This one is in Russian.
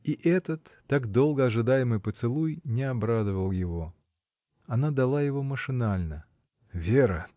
И этот так долго ожидаемый поцелуй не обрадовал его. Она дала его машинально. — Вера!